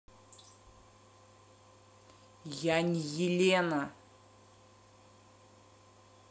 я не елена